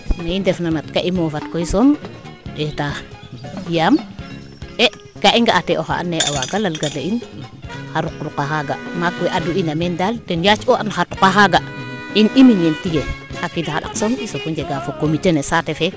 me i ndef na nak ka i moofat koy soom ɗeeta yaam e ka i nga oxa ando naye awaaga lal gana in a ruq ruqa xaaga maak we adu ina meen daal ten yaac u an xa tuqa xaaga in i miñee no tiye xa qiiɗ xa ɗak soom i soogu njega fo comité ne saate fee